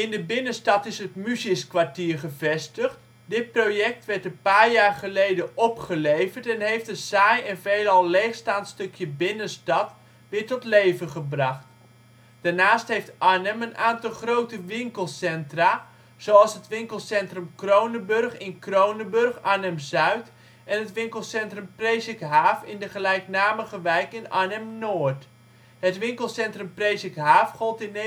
de binnenstad is het Musis Kwartier gevestigd. Dit project werd een paar jaar geleden opgeleverd en heeft een saai en veelal leegstaand stukje binnenstad weer tot leven gebracht. Daarnaast heeft Arnhem een aantal grote winkelcentra, zoals het Winkelcentrum Kronenburg in Kronenburg (Arnhem-Zuid) en het Winkelcentrum Presikhaaf in de gelijknamige wijk (Arnhem-Noord). Het winkelcentrum Presikhaaf gold in 1971